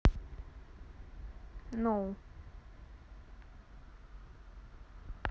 no